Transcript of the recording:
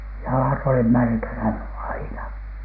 jalat oli märkänä aina